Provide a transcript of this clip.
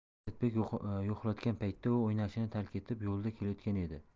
asadbek yo'qlatgan paytda u o'ynashini tark etib yo'lda kelayotgan edi